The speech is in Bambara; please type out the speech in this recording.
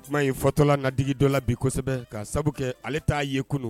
Kuma in fɔtɔla naigi dɔ la bi kosɛbɛ ka sabu kɛ ale t'a yen kunun